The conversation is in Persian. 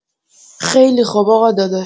خیلی خب آقا داداش.